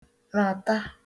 ràta